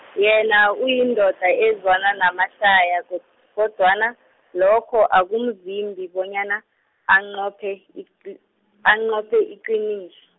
yena uyindoda ezwana namahlaya, ko- kodwana, lokho akumvimbi bonyana, anqophe, iqi- anqophe iqiniso.